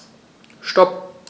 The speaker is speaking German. Stop.